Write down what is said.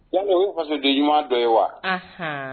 Yann'o ye faso de ɲuman dɔ ye wa? Anhan.